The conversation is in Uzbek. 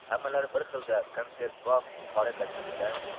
hammalari bir xilda kontsertbop qora kostyumda